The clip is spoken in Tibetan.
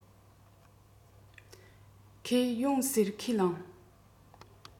ཁོས ཡོང ཟེར ཁས བླངས